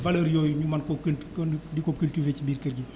valeurs yooyu ñu mën ko cult kon di ko cultivé ci biir kër gi